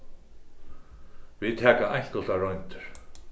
vit taka einkultar royndir